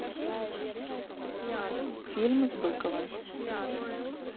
фильмы с быковым